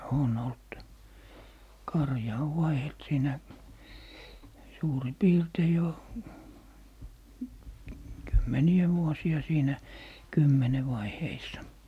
on ollut karja on vaihdellut siinä suurin piirtein jo kymmeniä vuosia siinä kymmenen vaiheissa